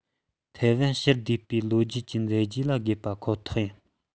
ཐའེ ཝན ཕྱིར བསྡུས པ གི ལོ རྒྱུས ཀྱི མཛད རྗེས ལ དགོས པ ཁོ ཐག ཡིན